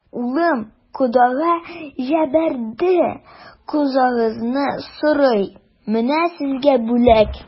Улым кодага җибәрде, кызыгызны сорый, менә сезгә бүләк.